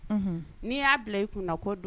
Un n'i y'a bila i kun ko